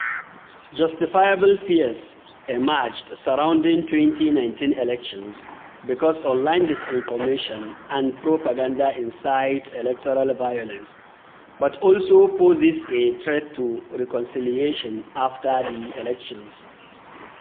Justifiable fears emerged surrounding 2019 elections because online disinformation and propaganda incites electoral violence but also poses "a threat to reconciliation after the elections".